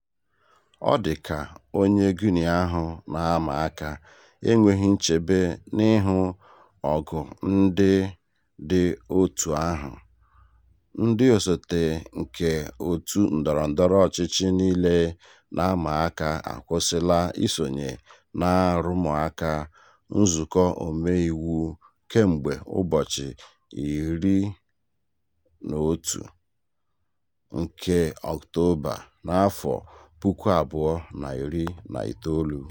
Ọ dị ka onye Guinea ahụ na-ama aka enweghị nchebe n'ihu ọgụ ndị dị otu ahụ: ndị osote nke òtù ndọrọ ndọrọ ọchịchị niile na-ama aka akwụsịla isonye n'arụmụka nzukọ omeiwu kemgbe ụbọchị 11 nke Ọktoba, 2019.